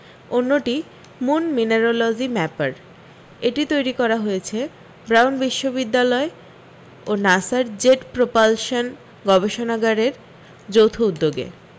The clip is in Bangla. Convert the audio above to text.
অন্যটি মুন মিনেরোলজি ম্যাপার এটি তৈরী হয়েছে ব্রাউন বিশ্ববিদ্যালয় ও নাসার জেট প্রোপালশান গবেষণাগারের যৌথ উদ্যোগে